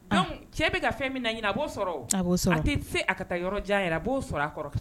Cɛ bɛ ka fɛn min na ɲinin a b' sɔrɔ' sɔrɔ a tɛ se a ka taa yɔrɔ jan yɛrɛ a b'o sɔrɔ a kɔrɔkɛ